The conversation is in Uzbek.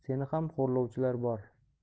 seni ham xo'rlovchilar bor